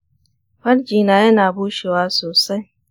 farjina yana bushewa sosai.